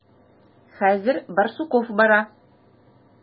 Хәзер Барсуков бара.